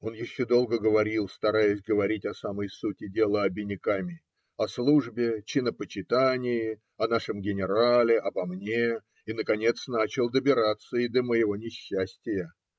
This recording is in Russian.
Он еще долго говорил (стараясь говорить о самой сути дела обиняками) о службе, чинопочитании, о нашем генерале, обо мне и, наконец, начал добираться и до моего несчастия.